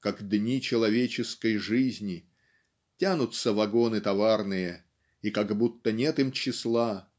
как дни человеческой жизни" тянутся вагоны товарные и как будто нет им числа